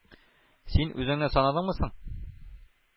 — син үзеңне санадыңмы соң?